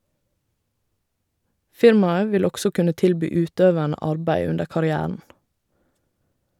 Firmaet vil også kunne tilby utøverne arbeid under karrieren.